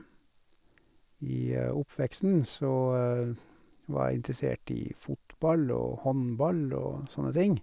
I oppveksten så var jeg interessert i fotball og håndball og sånne ting.